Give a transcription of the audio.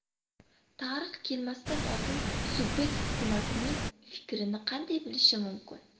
tarix kelmasidan oldin sub'ekt hukumatning fikrini qanday bilishi mumkin